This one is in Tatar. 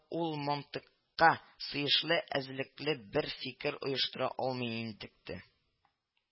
Ул мантыйкка сыешлы эзлекле бер фикер оештыра алмый интекте